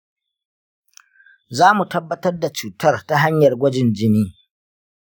zamu tabbatar da cutar ta hanyar gwajin jini.